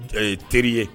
Ee teri ye